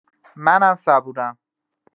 منم صبورم.